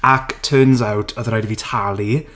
Ac turns out, oedd rhaid i fi talu.